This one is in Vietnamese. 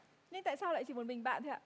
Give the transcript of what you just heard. nhưng tại sao lại chỉ một mình bạn thôi ạ